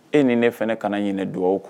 E ni ne fana ne ka ɲini dugaw kun